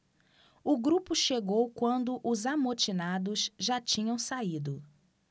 o grupo chegou quando os amotinados já tinham saído